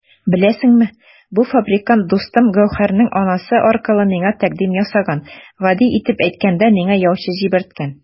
Беләсеңме, бу фабрикант дустым Гәүһәрнең анасы аркылы миңа тәкъдим ясаган, гади итеп әйткәндә, миңа яучы җибәрткән!